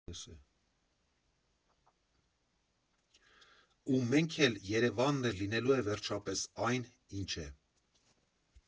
Ու մենք էլ, Երևանն էլ լինելու է վերջապես այն, ինչ է։